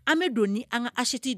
An bɛ don ni an ka ati de